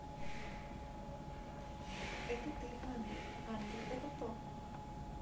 это ты ангел ангел это то